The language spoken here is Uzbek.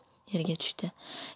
yerga tushdi